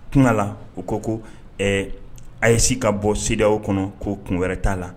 Kunga la u ko ko ayi yesi ka bɔ sidadaw kɔnɔ ko kun wɛrɛ t'a la